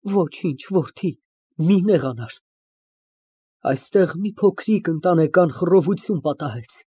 Ոչինչ, որդի, մի նեղանար։ Այստեղ մի փոքրիկ ընտանեկան խռովություն պատահեց։